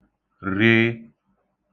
r